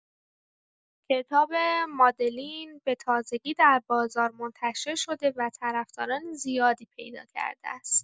کتاب مادلین به تازگی در بازار منتشر شده و طرفداران زیادی پیدا کرده است.